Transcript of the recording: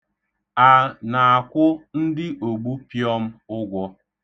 A na-akwụ ndị ogbupịọm ụgwọ?